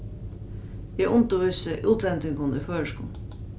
eg undirvísi útlendingum í føroyskum